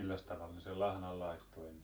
milläs tavalla ne sen lahnan laittoi ennen